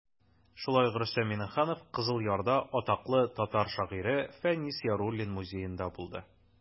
Шулай ук Рөстәм Миңнеханов Кызыл Ярда атаклы татар шагыйре Фәнис Яруллин музеенда булды.